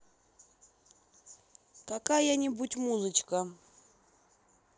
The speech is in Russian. какая нибудь музычка